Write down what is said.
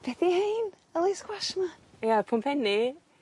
Be' 'di hein? Oes squash 'ma? Ia y pwmpenni